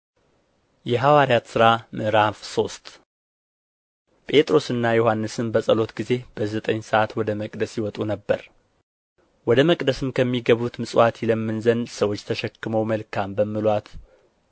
የሐዋርያት ሥራ ምዕራፍ ሶስት ጴጥሮስና ዮሐንስም በጸሎት ጊዜ በዘጠኝ ሰዓት ወደ መቅደስ ይወጡ ነበር ወደ መቅደስም ከሚገቡት ምጽዋት ይለምን ዘንድ ሰዎች ተሸክመው መልካም በሚሉአት